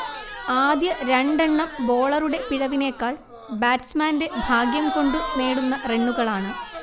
ആദ്യ രണ്ടെണ്ണം ബോളറൂടെ പിഴവിനേക്കാൾ ബാറ്റ്സ്മാന്റെ ഭാഗ്യംകൊണ്ടു നേടുന്ന റണ്ണുകളാണ്